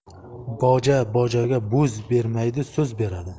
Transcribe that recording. boja bojaga bo'z bermaydi so'z beradi